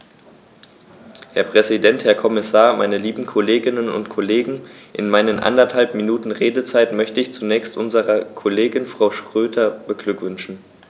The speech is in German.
Herr Präsident, Herr Kommissar, meine lieben Kolleginnen und Kollegen, in meinen anderthalb Minuten Redezeit möchte ich zunächst unsere Kollegin Frau Schroedter beglückwünschen.